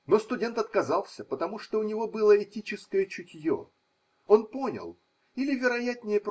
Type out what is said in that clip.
Но студент отказался, потому что у него было этическое чутье. Он понял, или, вероятнее.